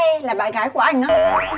là bạn gái của anh á